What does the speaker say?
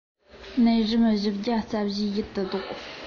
ནད རིམས བཞི བརྒྱ རྩ བཞི ཡུལ དུ བཟློག